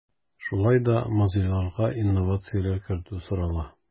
Шулай да музейларга инновацияләр кертү сорала.